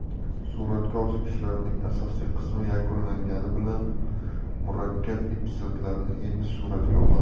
suratga olish ishlarining asosiy qismi yakunlangani bilan murakkab epizodlarni endi suratga olamiz